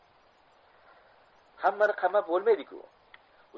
hammani qamab bo'lmaydi ku